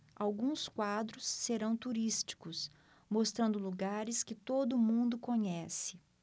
alguns quadros serão turísticos mostrando lugares que todo mundo conhece